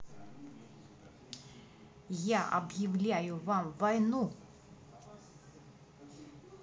я объявляю вам войну